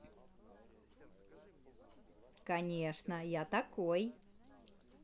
конечно я такой